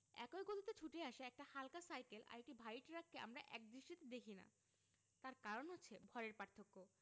একই গতিতে ছুটে আসা একটা হালকা সাইকেল আর একটা ভারী ট্রাককে আমরা একদৃষ্টিতে দেখি না তার কারণ হচ্ছে ভরের পার্থক্য